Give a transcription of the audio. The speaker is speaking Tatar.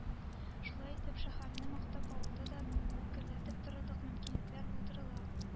Шулай итеп, шәһәрне мактап, авылда да гөрләтеп торырлык мөмкинлекләр булдырыла.